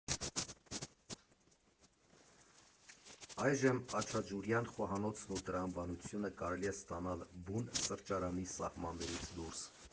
Այժմ աչաջուրյան խոհանոցն ու տրամադրությունը կարելի է ստանալ բուն սրճարանի սահմաններից դուրս։